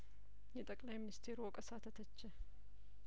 የጠቅላይ ሚኒስትሩ ወቀሳ ተተቸ